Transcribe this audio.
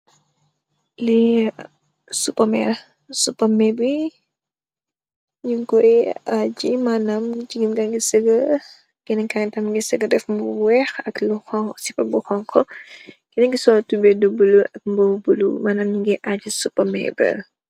Lii supame la, supame bi, ñung kooy gii. Maanam, jigéen jaa ngi sëggë, kénén ki tam mu ngi sëggë def mbuba bu weex ak lu xoñgu, sipa bu xoñgu. Mu ngi sol tuboy dubul buloo, manaam ñu ngëë aaji supame ba.